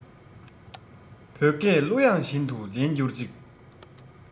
བོད སྐད གླུ དབྱངས བཞིན དུ ལེན འགྱུར ཅིག